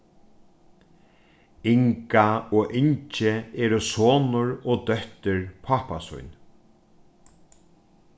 inga og ingi eru sonur og dóttir pápa sín